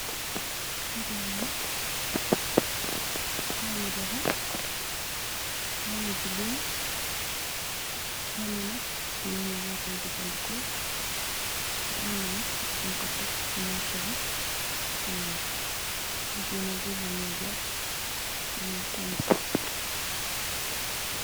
Li lamla lami gigun lami loxo gigun Yi njokoye jafandiko lambinak njinkotake ci Sagar bounjoule